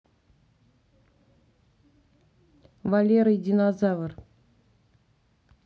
валера и динозавр